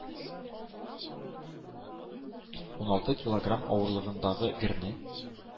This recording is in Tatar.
Уналты килограмм авырлыгындагы герне